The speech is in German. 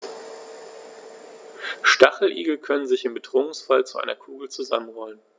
Stacheligel können sich im Bedrohungsfall zu einer Kugel zusammenrollen.